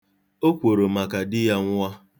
O kworo maka di ya nwụọ.